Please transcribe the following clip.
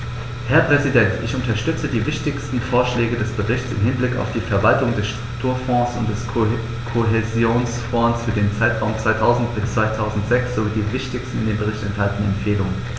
Herr Präsident, ich unterstütze die wichtigsten Vorschläge des Berichts im Hinblick auf die Verwaltung der Strukturfonds und des Kohäsionsfonds für den Zeitraum 2000-2006 sowie die wichtigsten in dem Bericht enthaltenen Empfehlungen.